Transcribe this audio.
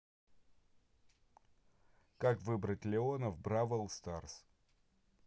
как выбить леона в бравл старс